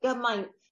gymain